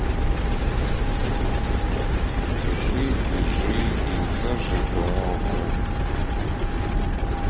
жиги жиги зажигалка